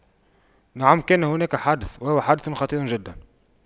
نعم كان هناك حادث وهو حادث خطير جدا